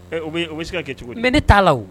Mais o bɛ se ka kɛ cogo di mais ne t'a la o